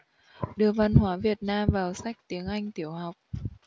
đưa văn hóa việt nam vào sách tiếng anh tiểu học